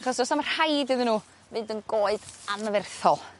achos 'os na'm rhaid iddyn n'w fynd yn goed anferthol.